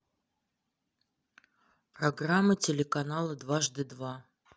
программа телеканала дважды два